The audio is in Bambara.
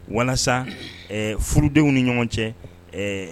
Walasa furudenw ni ɲɔgɔn cɛ